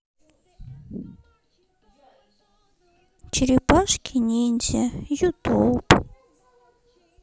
черепашки ниндзя ютуб